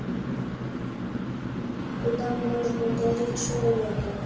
куда можно ударить человека